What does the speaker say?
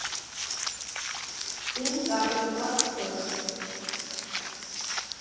֊ին կառուցված Ս.